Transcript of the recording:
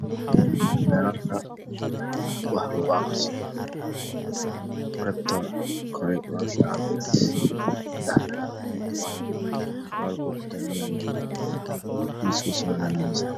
Waa layrarka wax lugu aqristo qeybta kore waa shaax cadeys ah, bahalka uu kutaagan yahay waa madow, miiska waa cadaan.